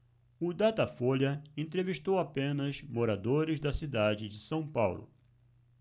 o datafolha entrevistou apenas moradores da cidade de são paulo